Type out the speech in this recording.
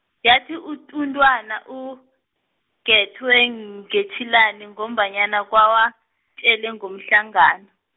yathi utunwana, uGethwe ngetshilani ngobanyana khawatjele ngomhlangano.